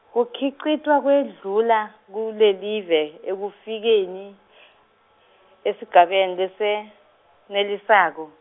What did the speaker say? kukhicitwa kwekudla kulelive, ekufikeni , esigabeni lesenelisako.